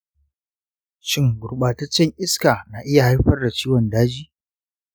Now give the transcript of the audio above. shin gurbataccen iska na iya haifar da ciwon daji?